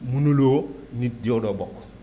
mënuloo nit yow doo bokk